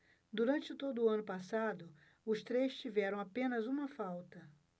durante todo o ano passado os três tiveram apenas uma falta